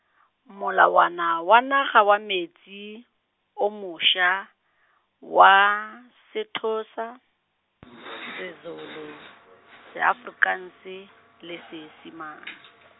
molawana wa naga wa metsi, o mosa, wa Sethosa , Sezulu, Seaforikanse, le Seesimane.